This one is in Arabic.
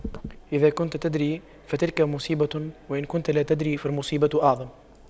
إذا كنت تدري فتلك مصيبة وإن كنت لا تدري فالمصيبة أعظم